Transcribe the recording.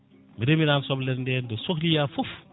mi remirano soblere nde nde sohloya foof